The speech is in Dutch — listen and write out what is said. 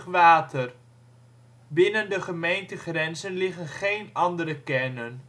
water). Binnen de gemeentegrenzen liggen geen andere kernen